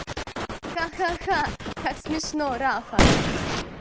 ха ха ха как смешно рафа